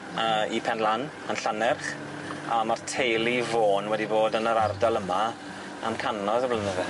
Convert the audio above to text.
Yy i Penlan yn Llanerch a ma'r teulu Vaughan wedi bod yn yr ardal yma am canoedd o flynydde.